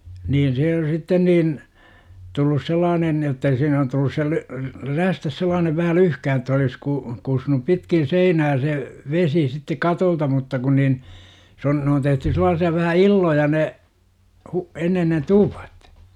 niin se on sitten niin tullut sellainen jotta ei siinä ole tullut -- räystäs sellainen vähän - että olisi - kussut pitkin seinää se vesi sitten katolta mutta kun niin se on ne on tehty sellaisia vähän illoja ne - ennen ne tuvat